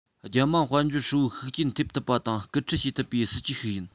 རྒྱལ དམངས དཔལ འབྱོར ཧྲིལ པོར ཤུགས རྐྱེན ཐེབས ཐུབ པ དང སྐུལ ཁྲིད བྱེད ཐུབ པའི སྲིད ཇུས ཤིག ཡིན